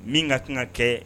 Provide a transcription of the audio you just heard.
Min kan ka ka kɛɛ